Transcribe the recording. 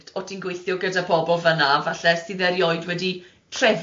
o ti'n gweithio gyda bobl fan'na falle sydd erioed wedi trefnu